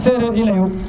sereer i leyu